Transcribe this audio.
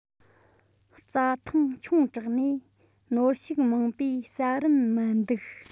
རྩྭ ཐང ཆུང དྲགས ནས ནོར ཕྱུགས མང པོས ཟ རིན མི འདུག